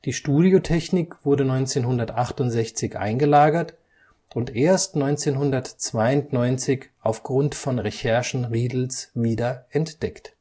Studiotechnik wurde 1968 eingelagert und erst 1992 aufgrund von Recherchen Riedls wieder entdeckt